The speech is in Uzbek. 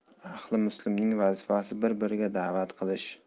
ahli muslimning vazifasi bir biriga da'vat qilish